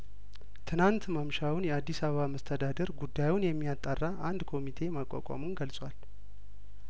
ትናንት ማምሻውን የአዲስ አበባ መስተዳድር ጉዳዩን የሚያጣራ አንድ ኮሚቴ ማቋቋሙን ገልጿል